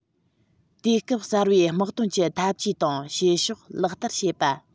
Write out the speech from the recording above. དུས སྐབས གསར པའི དམག དོན གྱི འཐབ ཇུས དང བྱེད ཕྱོགས ལག བསྟར བྱེད པ